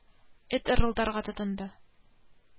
Әйе, коридор тыныч.